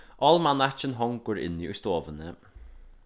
álmanakkin hongur inni í stovuni